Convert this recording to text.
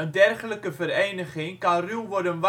dergelijke vereniging kan ruw worden